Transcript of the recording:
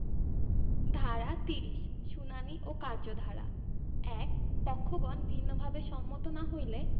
ধারা ৩০ শুনানী ও কার্যধারা ১ পক্ষগণ ভিন্নভাবে সম্মত না হইলে